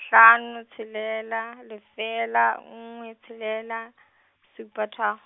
hlano tshelela lefela nngwe tshelela, supa tharo.